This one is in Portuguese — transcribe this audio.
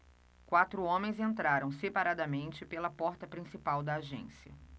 quatro homens entraram separadamente pela porta principal da agência